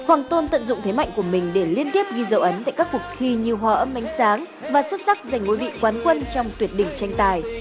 hoàng tôn tận dụng thế mạnh của mình để liên tiếp ghi dấu ấn tại các cuộc thi như hòa âm ánh sáng và xuất sắc giành ngôi vị quán quân trong tuyệt đỉnh tranh tài